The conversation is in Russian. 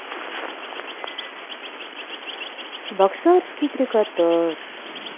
чебоксарский трикотаж